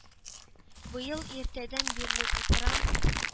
Быел иртәдән бирле утырам